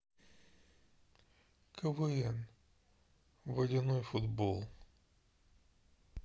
квн водяной футбол